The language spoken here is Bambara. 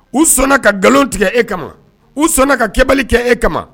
U sɔnna ka nkalon tigɛ e kama u sɔnna ka kɛbali kɛ e kama